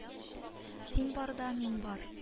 Син бар да мин бар